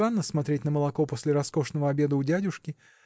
странно смотреть на молоко после роскошного обеда у дядюшки?